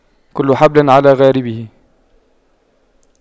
كل حبل على غاربه